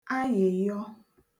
ayị̀yọ